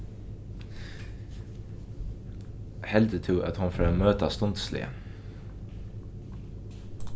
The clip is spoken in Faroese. heldur tú at hon fer at møta stundisliga